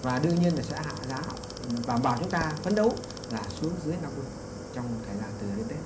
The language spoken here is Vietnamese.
và đương nhiên là sẽ hạ giá đảm bảo chúng ta phấn đấu là xuống dưới năm mươi trong một thời gian từ giờ đến tết